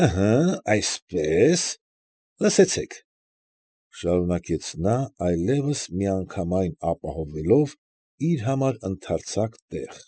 Ըհը՛, այսպես, լսեցեք,֊ շարունակեց նա, այլևս միանգամայն ապահովելով իր համար ընդարձակ տեղ։